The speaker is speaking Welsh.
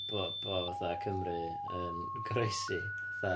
Bo' bo' fatha Cymru yn goroesi, fatha.